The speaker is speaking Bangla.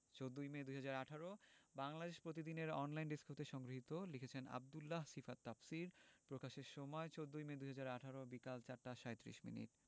১৪মে ২০১৮ বাংলাদেশ প্রতিদিন এর অনলাইন ডেস্ক হতে সংগৃহীত লিখেছেনঃ আব্দুল্লাহ সিফাত তাফসীর প্রকাশের সময় ১৪মে ২০১৮ বিকেল ৪ টা ৩৭ মিনিট